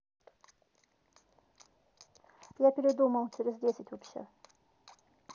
я передумал через десять вообще